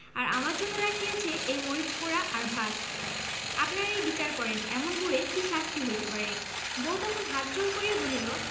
আর আমার জন্য রাখিয়াছে এই মরিচ পোড়া আর ভাত আপনারাই বিচার করেন এমন বউ এর কি শাস্তি হইতে পারে বউ তখন হাত জোড় করিয়া বলিল